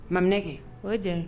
Maminɛ kɛ. O ye jɔn ye.